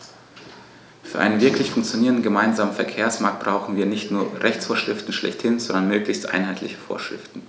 Für einen wirklich funktionierenden gemeinsamen Verkehrsmarkt brauchen wir nicht nur Rechtsvorschriften schlechthin, sondern möglichst einheitliche Vorschriften.